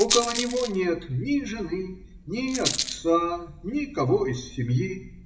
около него нет ни жены, ни отца, никого из семьи.